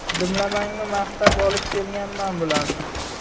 dimlamangni maqtab olib kelganman bularni